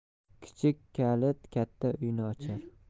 kichik kalit katta uyni ochar